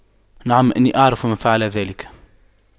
نعم إني اعرف من فعل ذلك